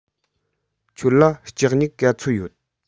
ཁྱོད ལ ལྕགས སྨྱུག ག ཚོད ཡོད